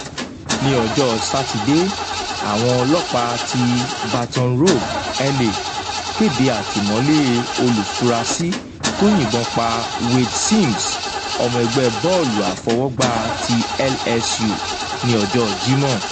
Ní ọjọ́ Sátidé, àwọn ọlọ́pàá ti Baton Rogue, La., kéde àtìmọ́lé olùfurasí tó yìnbọn pa Wayde Sims, ọmọ ẹgbẹ́ bọ́ọ̀lù àfọwọ́gbá ti LSU, ní ọjọ́ Jímọ̀.